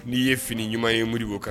N'i ye fini ɲuman ye Modibo kanan